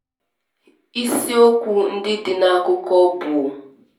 Isiokwu ndị dị n'akụkọ bụ: